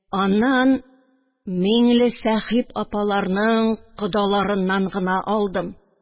Аннан Миндесәхип апаларның кодаларыннан гына алдым